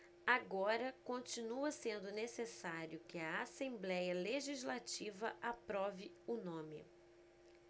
agora continua sendo necessário que a assembléia legislativa aprove o nome